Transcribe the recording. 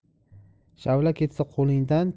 shavla ketsa qo'lingdan